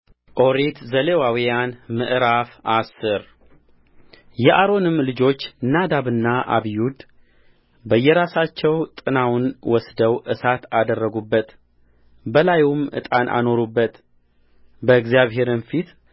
ኦሪት ዘሌዋውያን ምዕራፍ አስር የአሮንም ልጆች ናዳብና አብዩድ በየራሳቸው ጥናውን ወስደው እሳት አደረጉበት በላዩም ዕጣን አኖሩበት በእግዚአብሔርም ፊት